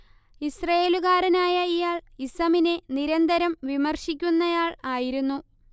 ഇസ്രയേലുകാരനായ ഇയാൾ ഇസമിനെ നിരന്തരം വിമർശിക്കുന്നയാൾ ആയിരുന്നു